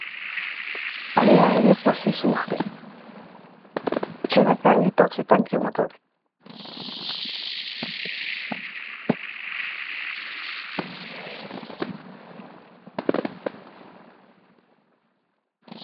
Xalèh ya ngeh fó si suuf bi, kenna ka ngi togg ci tanki moto bi.